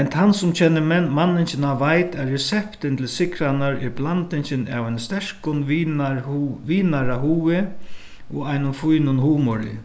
men tann sum kennir manningina veit at reseptin til sigrarnar er blandingin av einum sterkum og einum fínum humori